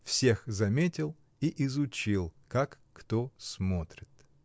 , всех заметил и изучил, как кто смотрит.